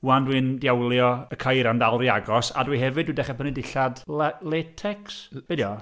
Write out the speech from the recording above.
'Wan dwi'n diawlio y ceir am dal ry agos, a dwi hefyd #di dechrau prynu dillad la- latex, be' dio?